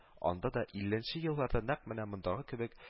Анда да илленче елларда нәкъ менә мондагы кебек